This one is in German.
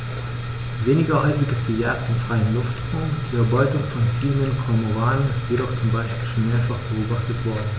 Weniger häufig ist die Jagd im freien Luftraum; die Erbeutung von ziehenden Kormoranen ist jedoch zum Beispiel schon mehrfach beobachtet worden.